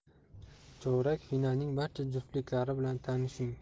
chorak finalning barcha juftliklari bilan tanishing